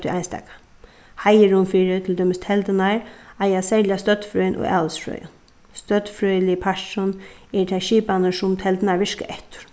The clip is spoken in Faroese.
tí einstaka heiðurin fyri til dømis teldurnar eiga serliga støddfrøðin og alisfrøðin støddfrøðiligi parturin eru tær skipanir sum teldurnar virka eftir